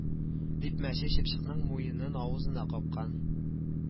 Дип мәче чыпчыкның муенын авызына капкан